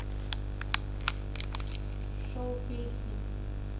шоу песни